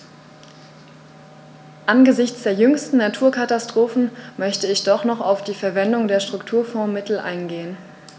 Angesichts der jüngsten Naturkatastrophen möchte ich doch noch auf die Verwendung der Strukturfondsmittel eingehen.